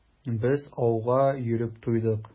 Без ауга йөреп туйдык.